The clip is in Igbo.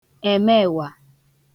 èmeewà